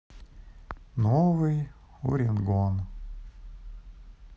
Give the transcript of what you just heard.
новый уренгон